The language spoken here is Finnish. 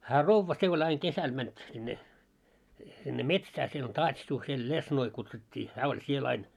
hän rouva se oli aina kesällä meni sinne sinne metsään siellä on taatsuhheil lesnoi kutsuttiin hän oli siellä aina